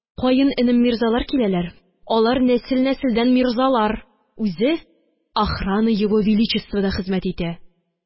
Каененем мирзалар киләләр. Алар – нәсел-нәселдән мирзалар. Үзе охрана его величествада хезмәт итә.